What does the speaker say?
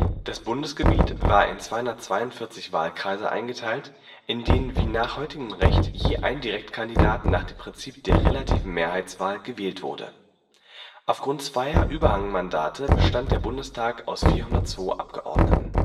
Das Bundesgebiet war in 242 Wahlkreise eingeteilt, in denen wie nach heutigem Recht je ein Direktkandidat nach dem Prinzip der relativen Mehrheitswahl gewählt wurde. Aufgrund zweier Überhangmandate bestand der Bundestag aus 402 Abgeordneten